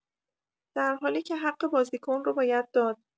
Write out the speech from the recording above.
در حالی که حق بازیکن رو باید داد